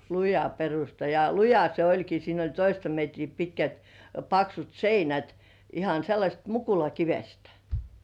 luja perusta ja luja se olikin siinä oli toista metriä pitkät paksut seinät ihan sellaisesta mukulakivestä